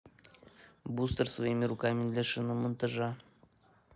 бустер своими руками для шиномонтажа